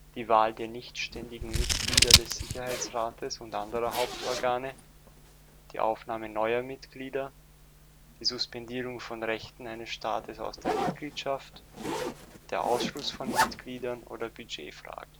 die Wahl der nicht-ständigen Mitglieder des Sicherheitsrates und der anderen Hauptorgane die Aufnahme neuer Mitglieder die Suspendierung von Rechten eines Staates aus der Mitgliedschaft der Ausschluss von Mitgliedern Budgetfragen